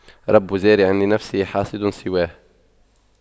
رب زارع لنفسه حاصد سواه